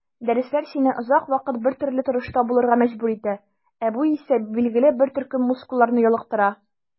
Дәресләр сине озак вакыт бертөрле торышта булырга мәҗбүр итә, ә бу исә билгеле бер төркем мускулларны ялыктыра.